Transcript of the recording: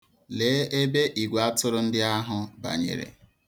Lee ebe igweatụrụ ndị ahụ banyere.